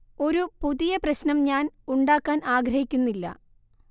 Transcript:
ഒരു പുതിയ പ്രശ്നം ഞാൻ ഉണ്ടാക്കാൻ ആഗ്രഹിക്കുന്നില്ല